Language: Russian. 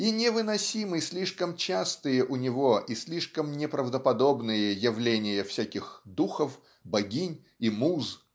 и невыносимы слишком частые у него и слишком неправдоподобные явления всяких духов богинь и муз